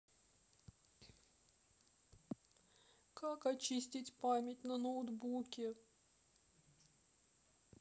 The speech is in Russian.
как очистить память на ноутбуке